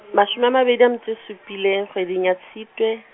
mashome a mabedi a metso e supileng, kgweding ya Tshitwe.